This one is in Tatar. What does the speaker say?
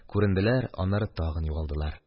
Күренделәр, аннары тагын югалдылар.